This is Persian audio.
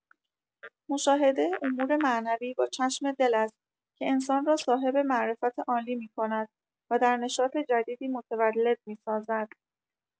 مشاهده امور معنوی با چشم دل است که انسان را صاحب معرفت عالی می‌کند و در نشاط جدیدی متولد می‌سازد.